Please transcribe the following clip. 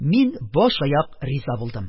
Мин баш-аяк риза булдым.